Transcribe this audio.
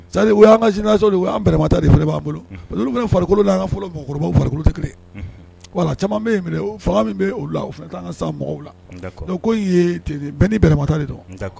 Sa y'ainaso'rɛmata b'a bolo olu bɛ farikolokolo don ka farikolo tɛ kelen wala caman bɛ min bɛ la fana ka sa mɔgɔw la nirɛmatali don